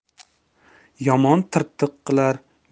yomon tirtiq qilar